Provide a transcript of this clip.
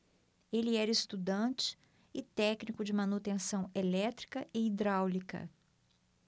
ele era estudante e técnico de manutenção elétrica e hidráulica